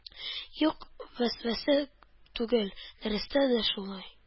Юк, вәсвәсә түгел, дөрестә дә шулай.